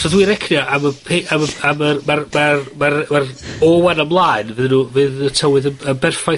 So dwi recrio am y pe- am y am yr ma'r ma'r ma'r ma'r o ŵan ymlaen fy' nw fydd y tywydd yn yn berffaith...